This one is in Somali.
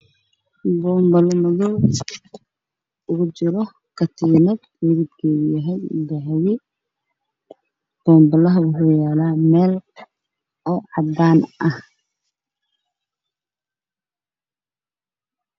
Meeshaan waxaa yaalo katiinad dahabi ah balse saaran meel madow ah waxaana ka dambeeyay dir bacdaas